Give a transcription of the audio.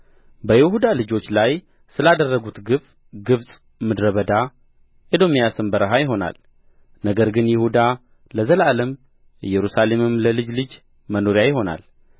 በይሁዳ ልጆች ላይ ስላደረጉት ግፍ ግብጽ ምድረ በዳ ኤዶምያስም በረሃ ይሆናል ነገር ግን ይሁዳ ለዘላለም ኢየሩሳሌምም ለልጅ ልጅ መኖሪያ ይሆናል